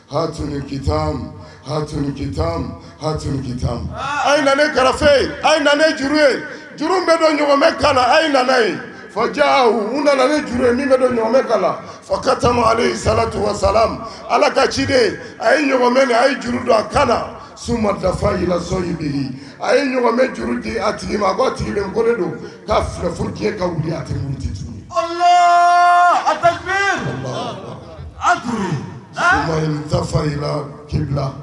Ha ki a na kalafe a ye na juru juru bɛ donmɛ kala a ye naye fa ja jurumɛ kala ka sala sala ala ka ciden a yemɛ a ye juru don a kala sumada fala a yemɛ juru di a tigi ma a' tigilen ko do ka fɛ furu ka a a fa ke